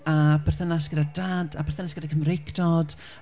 a perthynas gyda Dad, a perthynas gyda Cymreictod.